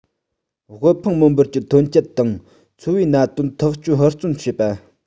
དབུལ ཕོངས མི འབོར གྱི ཐོན སྐྱེད དང འཚོ བའི གནད དོན ཐག གཅོད ཧུར བརྩོན བྱེད པ